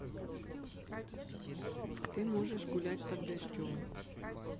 ты можешь гулять под дождем